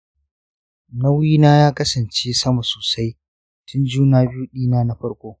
nauyi na ya kasance sama sosai tun juna-biyu ɗina na farko